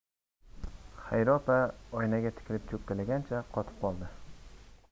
xayri opa oynaga tikilib cho'kkalagancha qotib qoldi